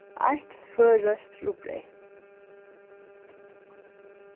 eitt føroyskt rugbreyð